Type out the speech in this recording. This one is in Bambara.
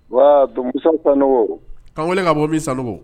Wa donso kɔnɔ an wele ka bɔ bi sanubɔ